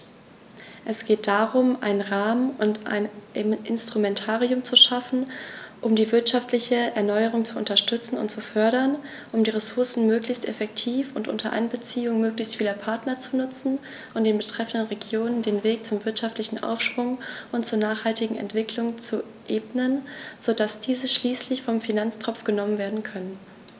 Es geht darum, einen Rahmen und ein Instrumentarium zu schaffen, um die wirtschaftliche Erneuerung zu unterstützen und zu fördern, um die Ressourcen möglichst effektiv und unter Einbeziehung möglichst vieler Partner zu nutzen und den betreffenden Regionen den Weg zum wirtschaftlichen Aufschwung und zur nachhaltigen Entwicklung zu ebnen, so dass diese schließlich vom Finanztropf genommen werden können.